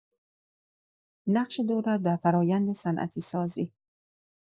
نقش دولت در فرآیند صنعتی‌سازی